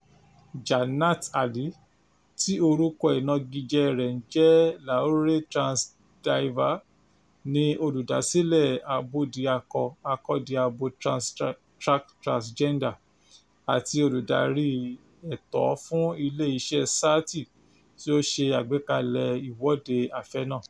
Jannat Ali, tí orúkọ ìnagijẹ rẹ̀ ń jẹ́ Lahore's Trans Diva, ni olùdásílẹ̀ Abódiakọ-akọ́diabo Track Transgender àti Olùdarí Ètò fún Ilé-iṣẹ́ Sathi tí ó ṣe àgbékalẹ̀ Ìwọ́de Afẹ́ náà.